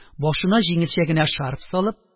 Башына җиңелчә генә шарф салып,